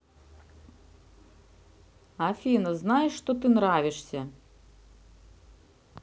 афина знаешь что ты нравишься